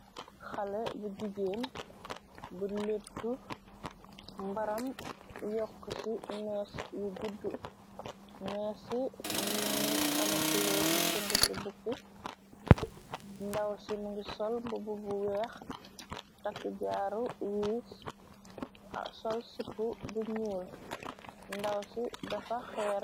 Xale bu jigéen bu lettu mbaram yokku ci mees yu gudd mee ci mungu ame kuloor bu sung ci bukki ndaw ci mngi sol mbo bo bu weex takk jaaru wiis sol sipu bu ñyuul ndaw ci defa xeere.